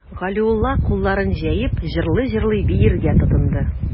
Галиулла, кулларын җәеп, җырлый-җырлый биергә тотынды.